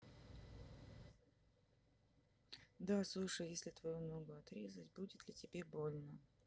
да слушай если твою ногу отрезать будет ли тебе больно